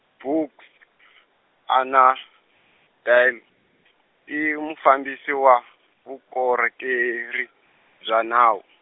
Buks , Anna dal-, i mufambisi wa vukorhokeri, bya nawu.